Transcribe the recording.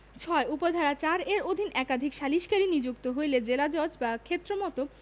৬ উপ ধারা ৪ এর অধীন একাধিক সালিসকারী নিযুক্ত হইলে জেলাজজ বা ক্ষেত্রমত